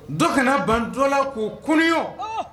Dɔ kana banjɔla koo kununɔn